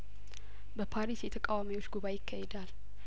በፓሪስ የተቃዋሚዎች ጉባኤ ይካሄዳል